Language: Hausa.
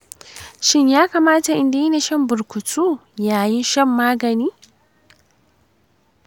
shin ya kamata in daina shan burukutu yayin shan magani?